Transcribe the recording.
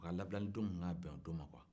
a labila don tun ka kan ka bɛn o don ma kuwa